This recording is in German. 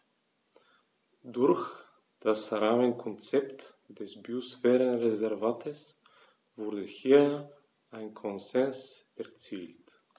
Durch das Rahmenkonzept des Biosphärenreservates wurde hier ein Konsens erzielt.